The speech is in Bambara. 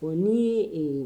Bon nii ee